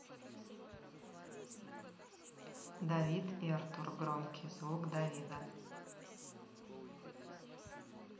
давид и артур громкий звук давида